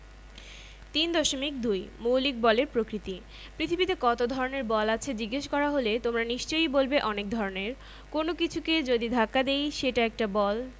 3.2 মৌলিক বলের প্রকৃতিঃ পৃথিবীতে কত ধরনের বল আছে জিজ্ঞেস করা হলে তোমরা নিশ্চয়ই বলবে অনেক ধরনের কোনো কিছুকে যদি ধাক্কা দিই সেটা একটা বল